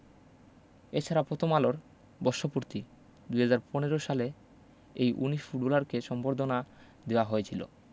এ ছাড়া পথম আলোর বর্ষপূর্তি ২০১৫ সালে এই ১৯ ফুটবলারকে সংবর্ধনা দেওয়া হয়েছিল